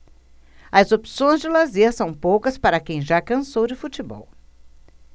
as opções de lazer são poucas para quem já cansou de futebol